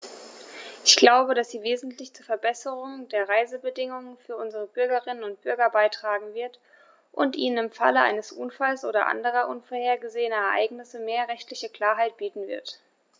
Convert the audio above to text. Ich glaube, dass sie wesentlich zur Verbesserung der Reisebedingungen für unsere Bürgerinnen und Bürger beitragen wird, und ihnen im Falle eines Unfalls oder anderer unvorhergesehener Ereignisse mehr rechtliche Klarheit bieten wird.